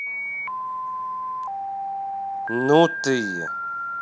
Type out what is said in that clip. ну ты